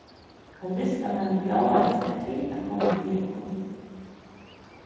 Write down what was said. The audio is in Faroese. og listamaðurin bjóðaði sær til at koma við okkum